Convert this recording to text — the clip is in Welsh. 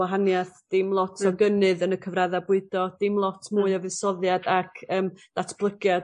wahania'th dim lot o gynnydd yn y cyfradda bwydo dim lot mwy o fuddsoddiad ac yym datblygiad